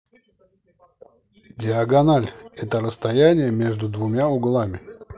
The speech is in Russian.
диагональ это расстояние между двумя углами